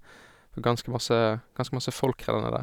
Var ganske masse ganske masse folk re der nede.